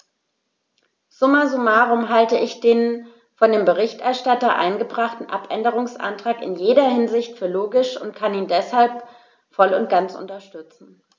Summa summarum halte ich den von dem Berichterstatter eingebrachten Abänderungsantrag in jeder Hinsicht für logisch und kann ihn deshalb voll und ganz unterstützen.